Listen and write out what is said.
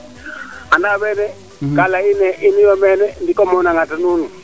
andaa weene ka leya ine inu yo meene ndiko moona ngata nuun